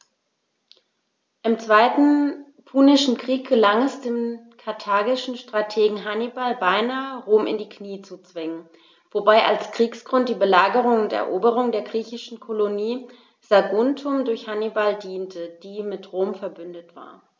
Im Zweiten Punischen Krieg gelang es dem karthagischen Strategen Hannibal beinahe, Rom in die Knie zu zwingen, wobei als Kriegsgrund die Belagerung und Eroberung der griechischen Kolonie Saguntum durch Hannibal diente, die mit Rom „verbündet“ war.